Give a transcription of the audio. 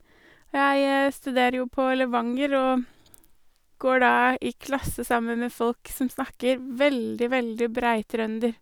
Jeg studerer jo på Levanger og går da i klasse sammen med folk som snakker veldig, veldig brei-trønder.